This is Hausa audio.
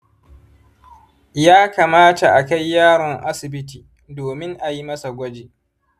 ya kamata a kai yaron asibiti domin a yi masa gwaji.